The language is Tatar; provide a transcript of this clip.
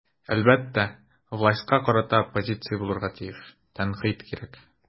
Әлбәттә, властька карата оппозиция булырга тиеш, тәнкыйть кирәк.